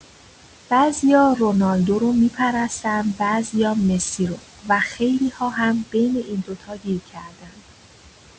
بعضیا رونالدو رو می‌پرستن، بعضیا مسی رو، و خیلی‌ها هم بین این دو تا گیر کردن.